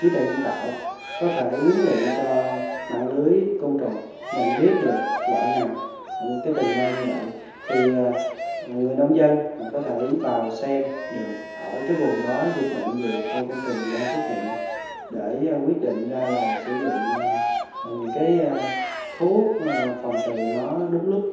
trí tuệ nhân tạo có thể huấn luyện cho mạng lưới côn trùng nhận biết được loại nào cứ từng nơi như vậy thì người nông dân có thể vào xem được ở các vùng đó dịch bệnh gì con côn trùng đang xuất hiện để ra quyết định ra là sử dụng những những cái thuốc phòng trừ nó đúng lúc